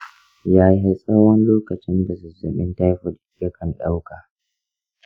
yaya tsawon lokacin da zazzabin taifoid yakan ɗauka?